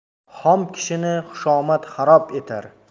xom kishini xushomad xarob etar